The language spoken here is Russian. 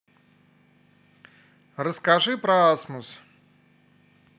расскажи про асмус